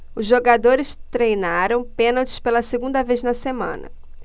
os jogadores treinaram pênaltis pela segunda vez na semana